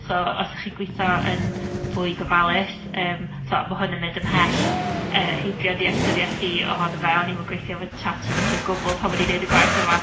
So os 'y chi'n gweithio yn fwy gofalus yym tibod, ma' hwn yn mynd ymhell yy heibio nealltwriaeth i ohono fe, o'n i'm yn gweithio efo ChatGPT o gwbl pan o'n i'n wneud y gwaith yma.